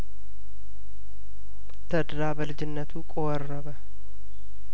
ተድላ በልጅነቱ ቆረበ